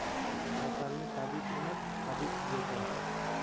kasalni tabib emas habib tuzatar